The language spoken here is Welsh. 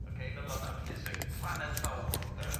Oce meddwl am am ffiseg, planed fawr 'de. Ia.